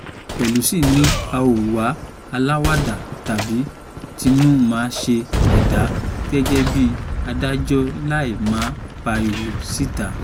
Pelosi ní “A ‘ò wá aláwàda, tàbí tinú-màáṣe ẹ̀dá gẹ́gẹ́ bí adájọ́, láì má pariwo síta.”